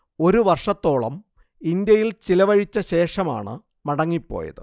ഒരു വർഷത്തോളം ഇന്ത്യയിൽ ചിലവഴിച്ച ശേഷമാണു മടങ്ങി പോയത്